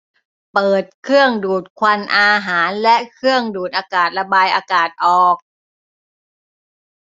เปิดเครื่องดูดควันอาหารและเครื่องดูดอากาศระบายอากาศออก